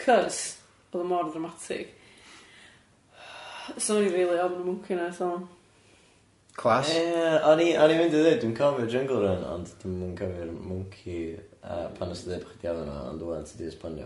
Cys odd o'n mor ddramatig, so o'n i rili ofn y mwnci yna. So class. Ie o'n i o'n i'n mynd i ddweud dwi'n cofio jungle run ond dwi'm yn cofio'r mwnci yy pan o'n i jyst yn ddweud, ond rwan ti di esbonio fo.